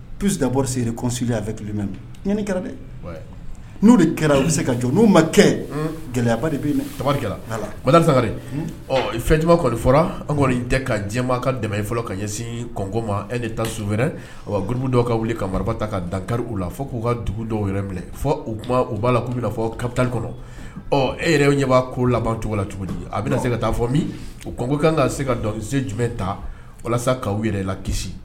Psidabɔ seresi ɲani kɛra dɛ n'u de kɛra u bɛ se ka jɔn n'u ma kɛ gɛlɛyaba de bɛ tarikɛla sa fɛn kɔni fɔra an kɔni ka diɲɛba ka dɛmɛ i fɔlɔ ka ɲɛsin kɔnko ma e ni taa sun wɛrɛɛrɛ guru dɔw ka wuli ka mara ta ka dankariw la fo k'u ka dugu dɔw yɛrɛ minɛ fɔ u u b'a la k'u bɛ fɔ kabilali kɔnɔ ɔ e yɛrɛ ɲɛ b'a ko laban cogo la cogo a bɛ se ka taa fɔ min uko kan ka se kakisɛ jumɛn ta walasa k' yɛrɛ la kisi